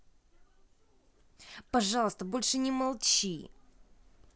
пожалуйста больше не молчи